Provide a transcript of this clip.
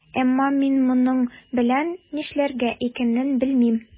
Әмма мин моның белән нишләргә икәнен белмим.